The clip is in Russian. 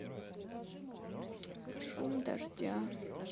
шум дождя